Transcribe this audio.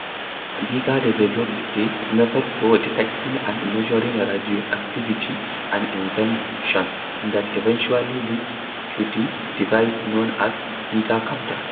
Geiger developed a method for detecting and measuring radioactivity, an invention that eventually led to the device known as the Geiger Counter.